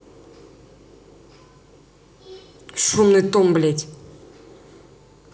шумный том блядь